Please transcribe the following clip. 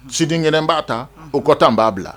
Sini kɛnɛ n b'a ta o kɔ ta n b'a bila